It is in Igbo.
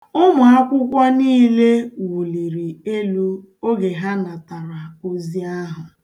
Ụmụakwụkwọ niile wụliri elu oge ha natara ozi ahụ.